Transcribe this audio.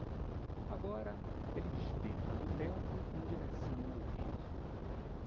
agora ele despenca do teto em direção ao piso